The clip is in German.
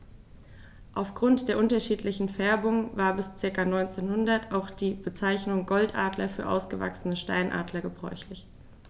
Auf Grund der unterschiedlichen Färbung war bis ca. 1900 auch die Bezeichnung Goldadler für ausgewachsene Steinadler gebräuchlich.